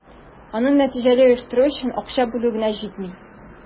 Аны нәтиҗәле оештыру өчен акча бүлү генә җитми.